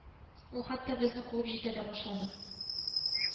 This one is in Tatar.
Ул хәттә безне куып җитә дә башлады